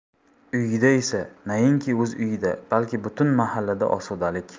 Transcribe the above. uyida esa nainki o'z uyida balki butun mahallada osudalik